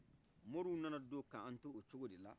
moriw nanado k'an t'o cogodela